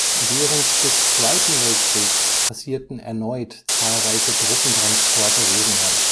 Während des Zweiten Weltkriegs passierten erneut zahlreiche Truppentransporte Rosenheim